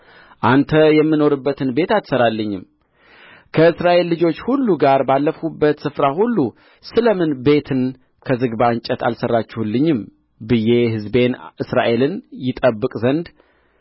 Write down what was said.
አንተ የምኖርበትን ቤት አትሠራልኝም ከእስራኤል ልጆች ሁሉ ጋር ባለፍሁበት ስፍራ ሁሉ ስለ ምን ቤትን ከዝግባ እንጨት አልሠራችሁልኝም ብዬ ሕዝቤን እስራኤልን ይጠብቅ ዘንድ